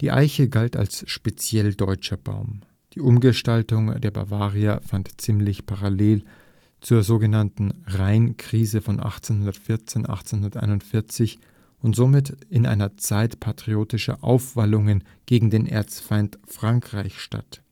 Eiche galt als speziell deutscher Baum. Die Umgestaltung der Bavaria fand zeitlich parallel zur so genannten Rheinkrise von 1840 / 41 und somit in einer Zeit patriotischer Aufwallungen gegen den „ Erzfeind “Frankreich statt